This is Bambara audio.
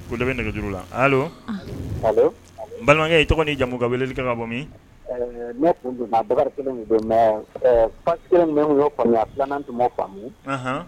O de bɛ nɛgɛ la balimakɛ ye tɔgɔ ni jamumu ka welemi filanan tun faamu